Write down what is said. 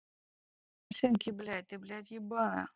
машинки блядь ты блядь ебана